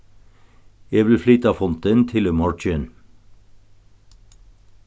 eg vil flyta fundin til í morgin